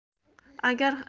sabr so'nggi so'm oltin